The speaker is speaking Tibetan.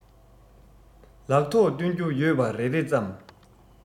ལག ཐོག སྟོན རྒྱུ ཡོད པ རེ རེ ཙམ